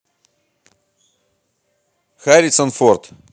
харрисон форд